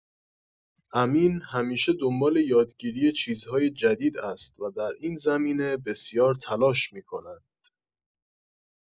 امین همیشه به دنبال یادگیری چیزهای جدید است و در این زمینه بسیار تلاش می‌کند.